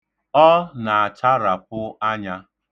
Ọ na-acharapụ anya.